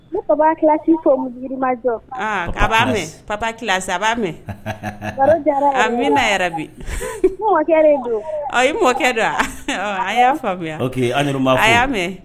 N bɛ papa klasi fo yirimajɔ. Aan a b'a mɛn Papa classe papa classe a b'a mɛn. Haha haha haha. Baro diyara yɛrɛ de. Amina ya rabi N mɔkɛ de don. Ɔɔ i mɔkɛ don wa? Ɔ an y'a famuya ok an yɛrɛw b'a fo.